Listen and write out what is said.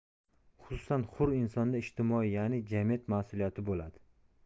xususan hur insonda ijtimoiy ya'ni jamiyat mas'uliyati bo'ladi